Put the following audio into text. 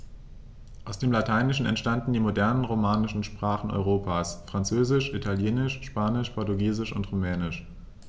Aus dem Lateinischen entstanden die modernen „romanischen“ Sprachen Europas: Französisch, Italienisch, Spanisch, Portugiesisch und Rumänisch.